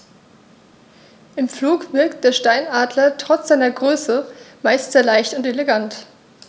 Im Flug wirkt der Steinadler trotz seiner Größe meist sehr leicht und elegant.